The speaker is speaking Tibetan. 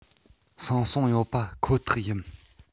སངས སོང ཡོད པ ཁོ ཐག ཡིན